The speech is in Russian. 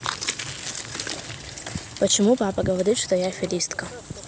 почему папа говорит что я аферистка